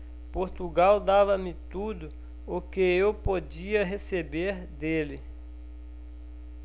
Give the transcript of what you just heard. portugal dava-me tudo o que eu podia receber dele